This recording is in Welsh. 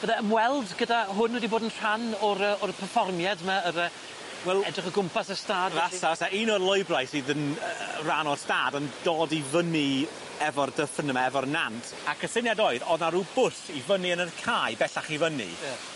Bydde ymweld gyda hwn wedi bod yn rhan o'r yy o'r perfformiad 'my yr yy... Wel... ...edrych o gwmpas y stad fasa un o'r lwybrau sydd yn yy rhan o'r stad yn dod i fyny efo'r dyffryn yma efo'r nant ac y syniad oedd o'dd 'na ryw bwll i fyny yn yr cae bellach i fyny. Ie.